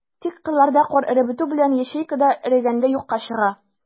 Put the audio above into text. Тик кырларда кар эреп бетү белән, ячейка да эрегәндәй юкка чыга.